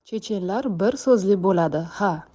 chechenlar bir so'zli bo'ladi ha